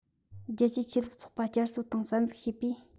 རྒྱལ གཅེས ཆོས ལུགས ཚོགས པ བསྐྱར གསོ དང གསར འཛུགས བྱས པས